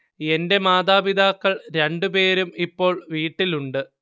എന്റെ മാതാപിതാക്കൾ രണ്ടുപേരും ഇപ്പോൾ വീട്ടിലുണ്ട്